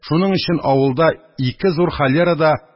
Шуның өчен авылда ике зур холерада